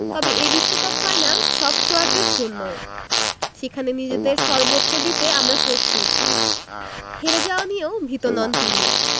তবে এ বিশ্বকাপ ফাইনাল সব ক্রোয়াটের জন্য সেখানে নিজেদের সর্বোচ্চ দিতে আমরা প্রস্তুত হেরে যাওয়া নিয়েও ভীত নন তিনি